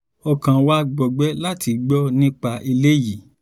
"Ọkàn wa gbọgbẹ́ láti gbọ́ nípa eléyìí,” Our heart breaks to hear about this," Ó fi kú un.